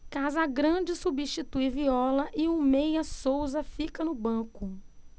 casagrande substitui viola e o meia souza fica no banco